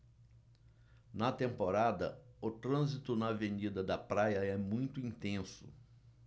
na temporada o trânsito na avenida da praia é muito intenso